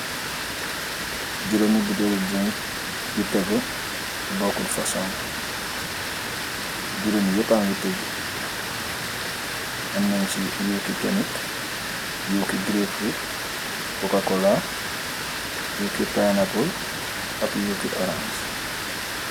Juróomi buteeld lu dirink yu tegu, bokkut fason. Juróomi yéppa ngi tëjgee. Am nañ si yuki tonike, yuki gireep furuut, yuki Okaloosa, yuki payiin apul, ak yuki orans.